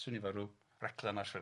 Swnio fel ryw raglen...